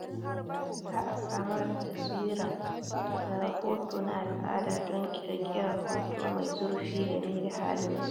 Za a samar da taswira da rahoto na al'ada don ƙirƙirar hoto mai zurfi game da halin su.